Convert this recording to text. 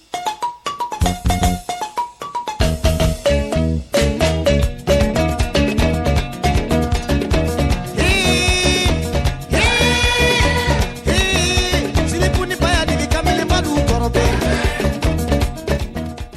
Cɛ cɛ jigikunba y' deli kamalenbadugu kɔrɔ tɛ